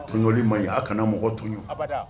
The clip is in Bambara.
Tojli ma ye a kana mɔgɔ tun ye